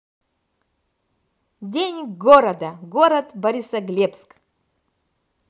день города город борисоглебск